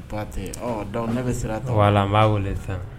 Batɛ dɔn ne bɛ sira ta a la n b'a weele sisan